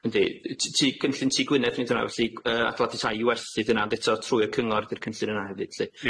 Yndi yy t- t- t- cynllun Tŷ Gwynedd felly yy adladi tai i werthu 'di hynna ond eto trwy y cyngor di'r cynllun yna hefyd lly.